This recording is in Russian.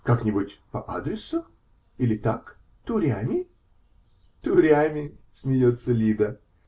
-- Куда-нибудь по адресу или так, турями? -- Турями, -- смеется Лида.